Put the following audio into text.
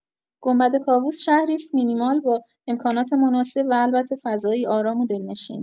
گنبدکاووس شهری است مینیمال با امکانات مناسب و البته فضایی آرام و دلشین.